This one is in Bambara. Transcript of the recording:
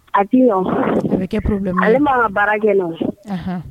A tiɲan , a kan kɛ problème e, a le man kan ka baara kɛ ni muso yz, unhun.